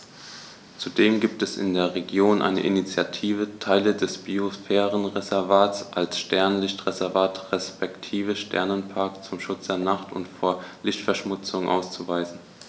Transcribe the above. Zudem gibt es in der Region eine Initiative, Teile des Biosphärenreservats als Sternenlicht-Reservat respektive Sternenpark zum Schutz der Nacht und vor Lichtverschmutzung auszuweisen.